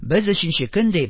Без өченче көн